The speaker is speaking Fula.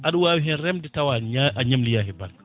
aɗa wawi tawa a ña tawa a ñamloyaki e banque